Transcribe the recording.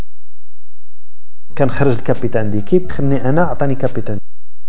كان خرج في تعذيب خلني انا اعطاني كابتن